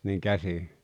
niin käsin